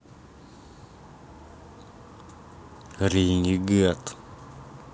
ренегат